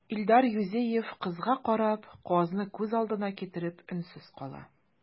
Илдар Юзеев, кызга карап, казны күз алдына китереп, өнсез кала.